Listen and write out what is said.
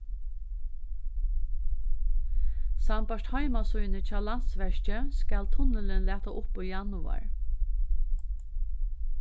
sambært heimasíðuni hjá landsverki skal tunnilin lata upp í januar